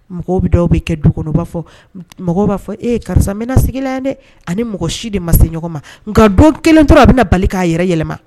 Mɔgɔ dɔw bɛ kɛ du kɔnɔ mɔgɔw b'a fɔ ee , karisa mɛnna sigi la yan dɛ, ani mɔgɔ si de ma se ɲɔgɔn ma, nka don 1 tora a bɛna na bali k'a yɛrɛ yɛlɛma!